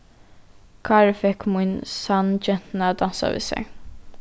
kári fekk mín sann gentuna at dansa við sær